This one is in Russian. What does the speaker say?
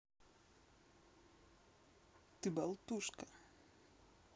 ты болтушка